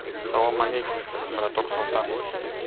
салам алекум браток салтан